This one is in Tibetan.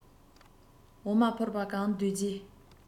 འོ མ ཕོར པ གང ལྡུད རྗེས